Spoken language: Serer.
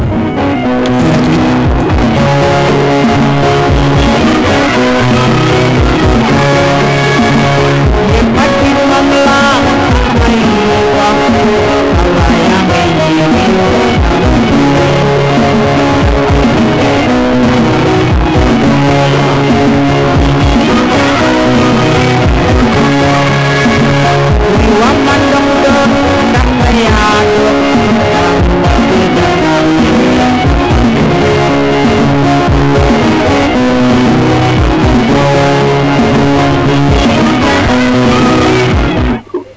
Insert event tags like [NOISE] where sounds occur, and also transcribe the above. [MUSIC]